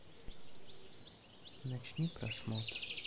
начни просмотр